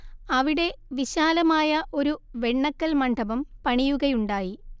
അവിടെ വിശാലമായ ഒരു വെണ്ണക്കൽ മണ്ഡപം പണിയുകയുണ്ടായി